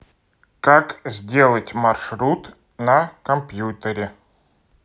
как сделать маршрут на компьютере